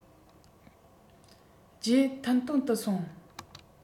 རྗེས མཐུན སྟོན དུ སོང